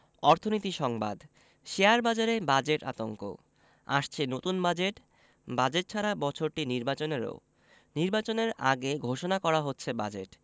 অর্থনীতি সংবাদ শেয়ারবাজারে বাজেট আতঙ্ক আসছে নতুন বাজেট বাজেট ছাড়া বছরটি নির্বাচনেরও নির্বাচনের আগে ঘোষণা করা হচ্ছে বাজেট